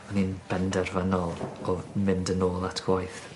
o'n i'n benderfynol o mynd yn ôl at gwaith.